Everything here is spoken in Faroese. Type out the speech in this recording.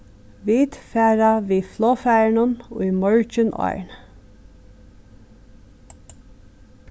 vit fara við flogfarinum í morgin árini